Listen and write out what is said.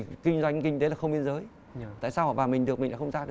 kinh doanh kinh tế là không biên giới nhưng tại sao họ và mình được mình là không ra được